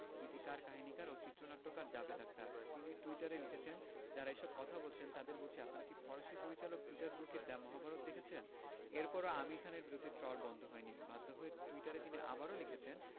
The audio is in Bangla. গীতিকার কাহিনিকার ও চিত্রনাট্যকার জাভেদ আখতার তিনি টুইটারে লিখেছেন যাঁরা এসব কথা বলছেন তাঁদের বলছি আপনারা কি ফরাসি পরিচালক পিটার ব্রুকের “দ্য মহাভারত” দেখেছেন এরপরও আমির খানের বিরুদ্ধে ট্রল বন্ধ হয়নি বাধ্য হয়ে টুইটারে তিনি আবারও লিখেছেন